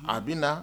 A bɛ na